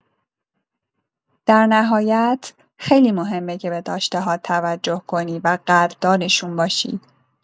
در نهایت، خیلی مهمه که به داشته‌هات توجه کنی و قدردانشون باشی.